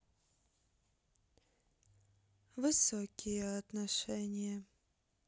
высокие отношения